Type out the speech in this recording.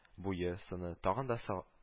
Буе-сыны тагын да са